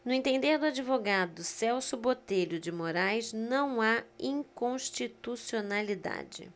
no entender do advogado celso botelho de moraes não há inconstitucionalidade